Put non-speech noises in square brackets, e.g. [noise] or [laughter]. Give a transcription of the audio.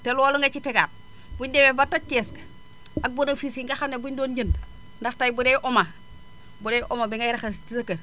te loolu nga ci tegaat bu ñu demee ba toj kees ga [noise] ak bénéfice yi nga xam ne bu énu doon jënd ndax tey bu dee oma bu dee omo bi ngay raxas ci sa kër